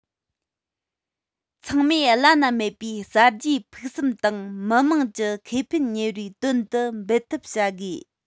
ཚང མས བླ ན མེད པའི གསར བརྗེའི ཕུགས བསམ དང མི དམངས ཀྱི ཁེ ཕན གཉེར བའི དོན དུ འབད འཐབ བྱ དགོས